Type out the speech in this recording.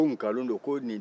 o b'a fɔ ko nkalo don